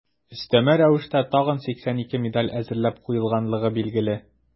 Өстәмә рәвештә тагын 82 медаль әзерләп куелганлыгы билгеле.